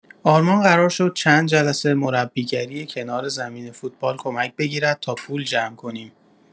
آرمان قرار شد چند جلسه مربیگری کنار زمین فوتبال کمک بگیرد تا پول جمع کنیم.